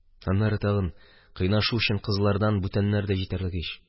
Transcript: Аннары тагын кыйнашу өчен кызлардан бүтәннәр дә җитәрлек ич.